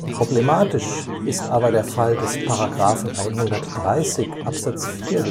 Problematisch ist aber der Fall des § 130 Abs. 4